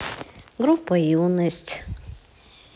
группа юность